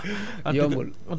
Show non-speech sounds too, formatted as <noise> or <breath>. <breath> ba pare di jégalu tamit